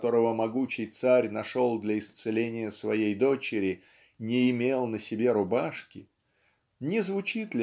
которого могучий царь нашел для исцеления своей дочери не имел на себе рубашки не звучи!